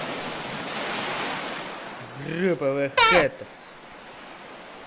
группа the hatters